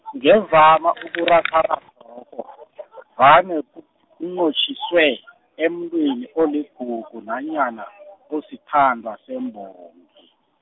ngevama ukuratharathokho, vane ku- kunqotjhiswe, emuntwini oligugu, nanyana, osithandwa sembongi.